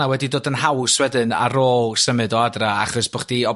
wedi dod yn haws wedyn ar ôl symud o adra achos bo' chdi o'